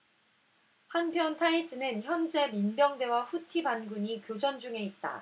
한편 타이즈는 현재 민병대와 후티 반군이 교전 중에 있다